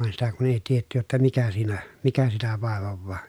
vaan sitä kun ei tiedetty jotta mikä siinä mikä sitä vaivaa